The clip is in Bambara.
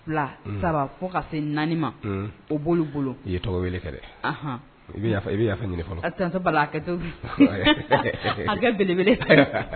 Saba ko ka se naani ma o bolo bolo i ye tɔgɔ wele kɛ to belebele